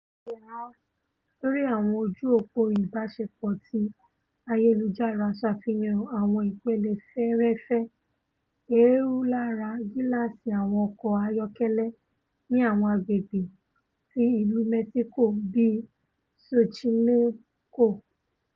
Àwọn àwòrán lori àwọn ojú-òpó ìbáṣepọ̀ ti ayélujára ṣàfihàn àwọn ìpele fẹ́rẹfẹ́ éerú lárá gíláàsì àwọn ọkọ̀ ayọ́kẹ́lẹ́ ní àwọn agbègbè̀̀ ti Ìlú Mẹ́ṣíkò bíi Xochimilco.